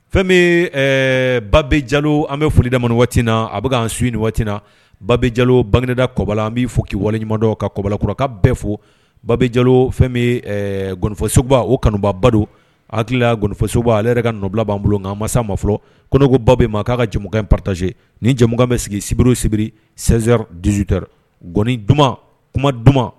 Babe jalo an bɛ folida waatiina a bɛka' an su ni waati na babe jalo bangegda kɔbala an b bɛ' fɔ' waleɲumandɔ ka kɔbalakɔrɔ ka bɛɛ fo balo gɔnfɔsoba o kanubaba hakili gfɔsoba ale yɛrɛ ka nɔbila'an bolo nka a masa ma fɔlɔ kokoba bɛ ma k'a ka jamukan in patazse ni jɛmu bɛ sigi sibiriw siribiri s dusute gɔni dumanuma kuma duman